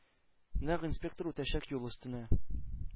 Нәкъ инспектор үтәчәк юл өстенә